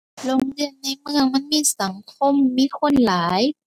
โรงเรียนในเมืองมันมีสังคม มีคนหลาย